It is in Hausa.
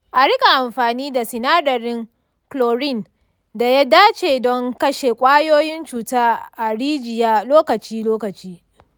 a rika amfani da sinadarin chlorine da ya dace don kashe ƙwayoyin cuta a rijiya lokaci-lokaci.